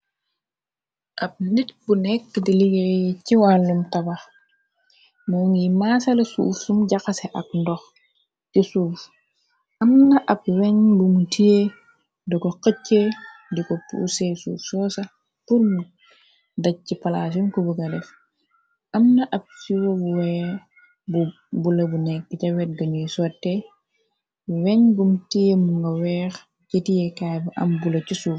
ab nit bu nekk di liggére yi ci wàllum tabax moo ngiy maasala suuf sum jaxase ak ndox ci suuf am na ab weñ bumu tiyee da ko xëcce di ko puusee suuf soosax purmu daj ci palaas yum ku bu ka def am na ab siwobuwee bula bu nekki te wet ganuy sotte weñ bumu tie mu nga weex ci tiyekaay bu am bula cu suuf